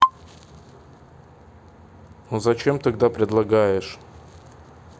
ну зачем тогда предлагаешь